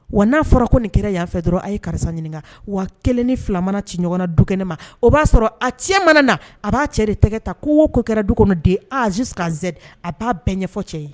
Wa n'a fɔra ko nin kɛra yanfɛ dɔrɔn a ye karisa ɲininka wa kelen ni filamana ci ɲɔgɔnna du kɛnɛ ma o b'a sɔrɔ a ti mana na a b'a cɛ de tɛgɛ ta' ko kɛra du kɔnɔ di aaaz kaze a b'a bɛn ɲɛfɔ cɛ ye